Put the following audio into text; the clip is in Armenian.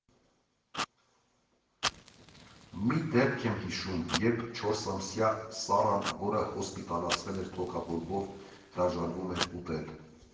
Մի դեպք եմ հիշում, երբ չորսամյա Սառան, որը հոսպիտալացվել էր թոքաբորբով, հրաժարվում էր ուտել։